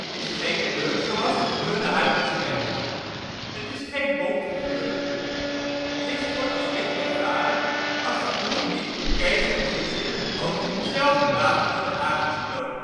is geen kleur zoals de kleuren uit het spectrum: het is geen bonte kleur. Licht wordt als wit ervaren als de drie typen kegeltjes in het oog in dezelfde mate worden aangesproken. Dat